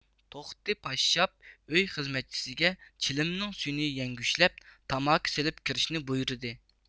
توختى پاششاپ ئۆي خىزمەتچىسىگە چىلىمنىڭ سۈيىنى يەڭگۈشلەپ تاماكا سېلىپ كىرىشىنى بۇيرىدى